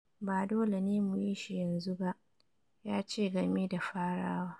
"Ba dole ne mu yi shi yanzu ba," ya ce game da farawa.